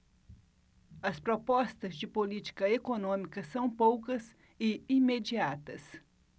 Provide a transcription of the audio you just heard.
as propostas de política econômica são poucas e imediatas